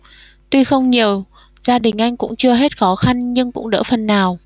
tuy không nhiều gia đình anh cũng chưa hết khó khăn nhưng cũng đỡ phần nào